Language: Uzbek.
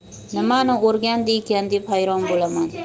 nimani o'rgandi ekan deb hayron bo'laman